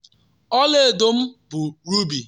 Ọla edo m bụ Robbie.”